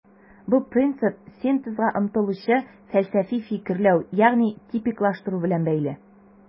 Бу принцип синтезга омтылучы фәлсәфи фикерләү, ягъни типиклаштыру белән бәйле.